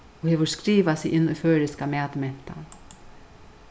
og hevur skrivað seg inn í føroyska matmentan